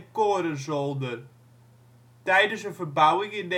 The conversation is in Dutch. korenzolder. Tijdens een verbouwing in